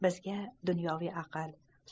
bizga dunyoviy aql